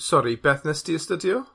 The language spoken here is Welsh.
Sori, beth nest ti astudio?